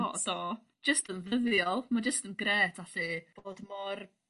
Mo- yy so jyst yn ddyddiol mae jyst yn grêt allu bod mor